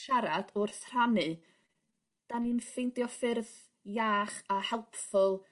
siarad wrth rhannu 'dan ni'n ffeindio ffyrdd iach a helpful